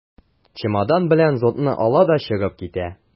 Чемодан белән зонтны ала да чыгып китә.